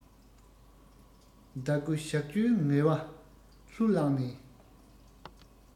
ཟླ དགུ ཞག བཅུའི ངལ བ ལྷུར བླངས ནས